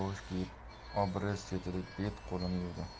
obrez chetida bet qo'lini yuvdi